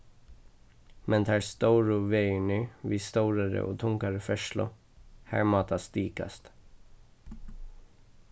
men teir stóru vegirnir við stórari og tungari ferðslu har má tað stikast